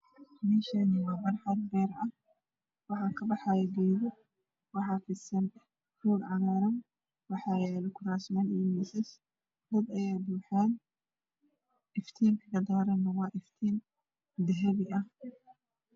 Meshani waa barxa beer ah waxa ka baxaayo geedo waxa fidsan roog cagaran waxa yalo kuuraso iyo misas dad aya buxaan iftiin horan waa iftin dahpi ah